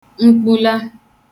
nkpula